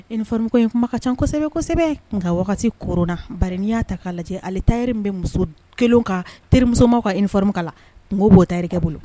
Fa ko in kuma ka ca kosɛbɛ kosɛbɛ nka kourunna barin n y'a ta k'a lajɛ ale tari in bɛ muso kelen kan terimusow ka ni ka n b'otari kɛ bolo